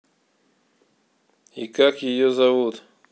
и как ее зовут